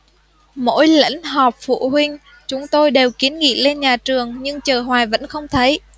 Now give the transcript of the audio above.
mỗi lẫn họp phụ huynh chúng tôi đều kiến nghị lên nhà trường nhưng chờ hoài vẫn không thấy